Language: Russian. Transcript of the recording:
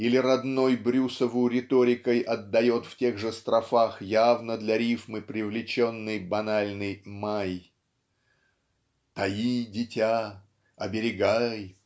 Или родной Брюсову риторикой отдает в тех же строфах явно для рифмы привлеченный банальный "май" Таи дитя оберегай